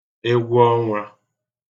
egwu ọnwā